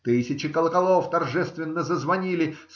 Тысячи колоколов торжественно зазвонили.